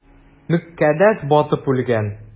Мөкаддәс батып үлгән!